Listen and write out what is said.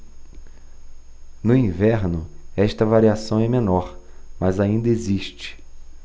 no inverno esta variação é menor mas ainda existe